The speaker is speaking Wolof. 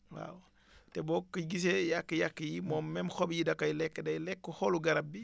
waaw te boo ko gisee yàq-yàq yi moom même xob yi da koy lekk day lekk xolu garab bi